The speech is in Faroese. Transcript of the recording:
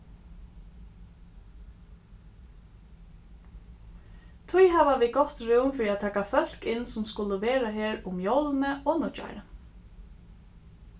tí hava vit gott rúm fyri at taka fólk inn sum skulu vera her um jólini og nýggjárið